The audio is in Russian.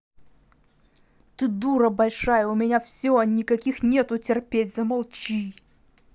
ты дура большая у меня все никаких нету терпеть замолчи